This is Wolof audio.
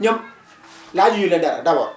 ñoom laajuñu leen dara d' abord